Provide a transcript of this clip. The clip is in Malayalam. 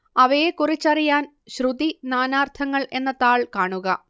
അവയെക്കുറിച്ചറിയാൻ ശ്രുതി നാനാർത്ഥങ്ങൾ എന്ന താൾ കാണുക